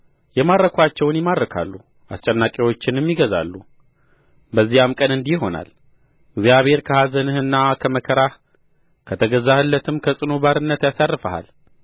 የማረኩአቸውን ይማርካሉ አስጨናቂዎችንም ይገዛሉ በዚያም ቀን እንዲህ ይሆናል እግዚአብሔር ከኀዘንህና ከመከራህ ከተገዛህለትም ከጽኑ ባርነት ያሳርፍሃል